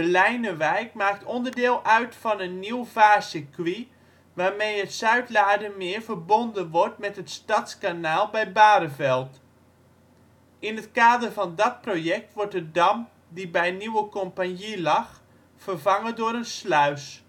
Leinewijk maakt onderdeel uit van een nieuw vaarcircuit waarmee het Zuidlaardermeer verbonden wordt met het Stadskanaal bij Bareveld. In het kader van dat project wordt de dam die bij Nieuwe Compagnie lag, vervangen door een sluis